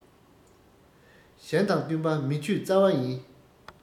གཞན དང བསྟུན པ མི ཆོས རྩ བ ཡིན